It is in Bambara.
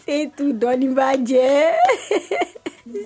Setudɔn b'a jɛ